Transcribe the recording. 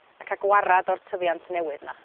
a ca' gwarad o'r tyfiant newydd 'na.